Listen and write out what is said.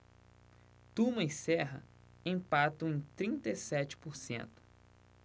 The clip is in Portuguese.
tuma e serra empatam em trinta e sete por cento